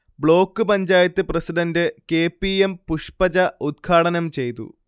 Block panchayat president K. P. M. Pushpaja ഉദ്ഘാടനം ചെയ്തു